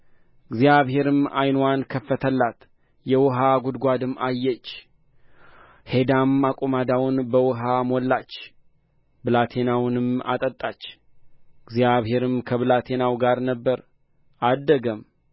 እግዚአብሔርም ዓይንዋን ከፈተላት የውኃ ጕድጓድንም አየች ሄዳም አቁማዳውን በውኃ ሞላች ብላቴናውንም አጠጣች እግዚአብሔርም ከብላቴናው ጋር ነበረ አደገም